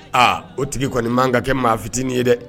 A o tigi kɔni man ka kɛ maa fitinin ye dɛ